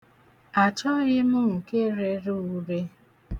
Achọghị m nke rere ure.